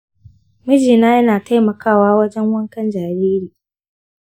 mijina yana taimakawa wajen wankan jariri